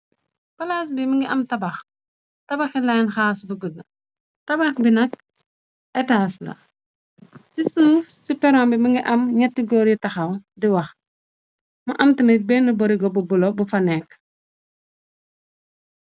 palaas bi mi ngi am tabax tabaxi lyne xaas buggut na tabax bi nak etaas la ci suuf ci poran bi mi ngi am ñetti góor yi taxaw di wax mu amt nay benn borigo bu bulo bu fa nekk